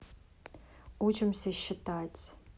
учимся считать